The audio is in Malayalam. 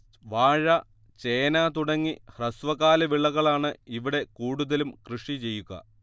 വാഴ ചേന തുടങ്ങി ഹ്രസ്വകാലവിളകളാണ് ഇവിടെ കൂടുതലും കൃഷിചെയ്യുക